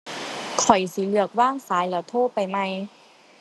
ข้อยสิเลือกวางสายแล้วโทรไปใหม่